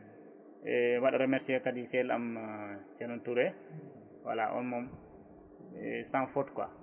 mbiɗa mi waɗa remercier kadi sehilam ceerno Touré voilà on moon sans faute quoi